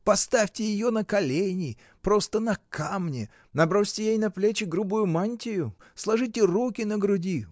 поставьте ее на колени, просто на камне, набросьте ей на плечи грубую мантию, сложите руки на груди.